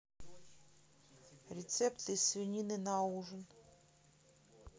рецепты из свинины на ужин